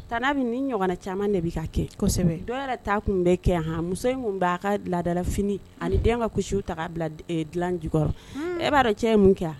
T bɛ ni ɲɔgɔn caman de bɛ ka kɛ kosɛbɛ dɔw yɛrɛ ta kun bɛ kɛ muso in b'a ka ladaraf fini ani den ka kulu ta' bila dilan jukɔrɔ e b'a dɔn cɛ mun kɛ